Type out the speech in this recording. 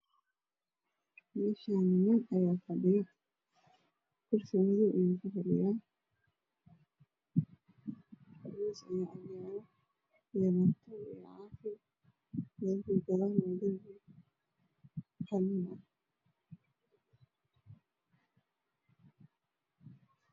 Meeshaan nin ayaa fadhiyo kursi madow ayuu kufadhiyaa miis ayaa agyaalo waxaa saaran caafi. Darbiga gadaale waa qalin.